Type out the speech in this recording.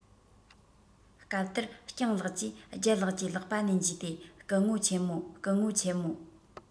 སྐབས དེར སྤྱང ལགས ཀྱིས ལྗད ལགས ཀྱི ལག པ ནས འཇུས ཏེ སྐུ ངོ ཆེན མོ སྐུ ངོ ཆེན མོ